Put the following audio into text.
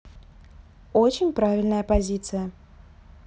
очень правильная позиция